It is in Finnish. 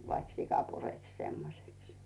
vaikka sika pureksi semmoiseksi